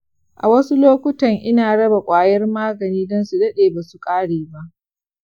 a wasu lokuttan ina raba ƙwayar magani don su daɗe ba su ƙare ba.